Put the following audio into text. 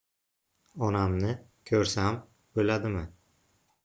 onamni ko'rsam bo'ladimi